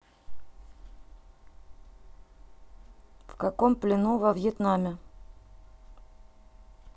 в каком плену во вьетнаме